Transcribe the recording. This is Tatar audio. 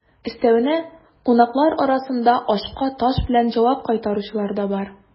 Өстәвенә, кунаклар арасында ашка таш белән җавап кайтаручылар да бар.